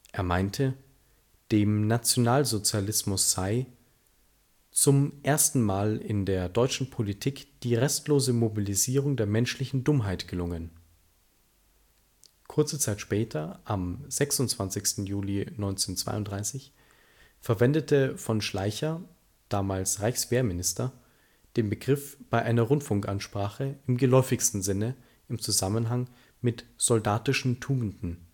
Er meinte, dem Nationalsozialismus sei „ zum erstenmal in der deutschen Politik die restlose Mobilisierung der menschlichen Dummheit gelungen. “Kurze Zeit später, am 26. Juli 1932 verwendete von Schleicher, damals Reichswehrminister, den Begriff bei einer Rundfunkansprache im geläufigen Sinne im Zusammenhang mit soldatischen Tugenden